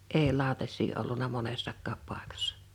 ei lautasia ollut monessakaan paikassa